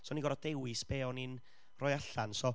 so o'n i'n gorod dewis be o'n i'n rhoi allan, so,